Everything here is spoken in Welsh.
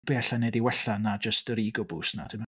Be alla i ei wneud i wella na jyst yr ego boost 'na, timod?